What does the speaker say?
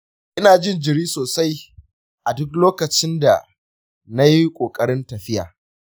inajin jiri sosai a duk lokacinda nayi kokarin tafiya.